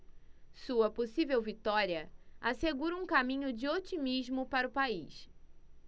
sua possível vitória assegura um caminho de otimismo para o país